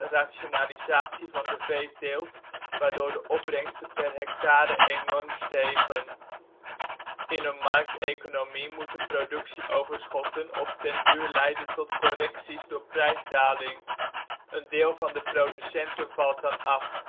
rationalisatie van de veeteelt, waardoor de opbrengsten per hectare enorm stegen. In een markteconomie moeten productieoverschotten op den duur leiden tot correcties door prijsdaling. Een deel van de producenten valt dan af